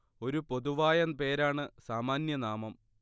ഒരു പൊതുവായ പേരാണ് സാമാന്യ നാമം